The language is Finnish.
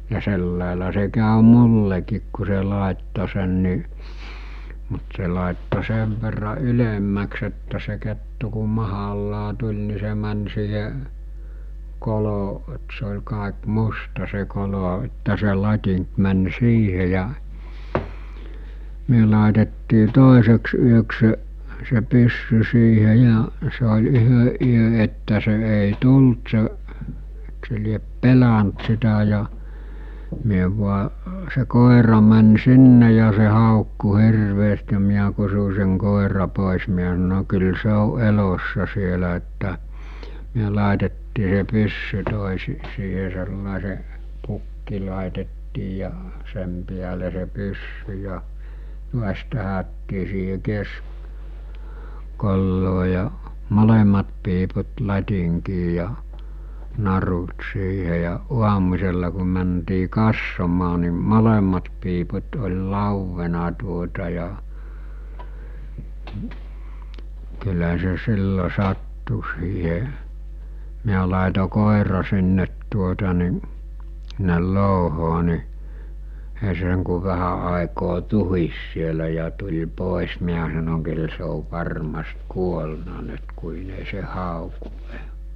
ja sillä lailla se kävi minullekin kun se laittoi sen niin mutta se laittoi sen verran ylemmäksi että se kettu kun mahallaan tuli niin se meni siihen - että se oli kaikki musta se kolo että se latinki meni siihen ja me laitettiin toiseksi yöksi se se pyssy siihen ja se oli yhden yön että se ei tullut se eikö se lie pelännyt sitä ja me vain se koira meni sinne ja se haukkui hirveästi ja minä kutsuin sen koiran pois minä sanoin kyllä se on elossa siellä että me laitettiin se pyssy - siihen sellaiseen pukki laitettiin ja sen päälle se pyssy ja taas tähdättiin siihen - keskikoloon ja molemmat piiput latinkiin ja narut siihen ja aamusella kun mentiin katsomaan niin molemmat piiput oli lauennut tuota ja kyllä se silloin sattui siihen minä laitoin koiran sinne tuota niin sinne louhoon niin ei se sen kun vähän aikaa tuhisi siellä ja tuli pois minä sanoin kyllä se on varmasti kuollut nyt kun ei se hauku enää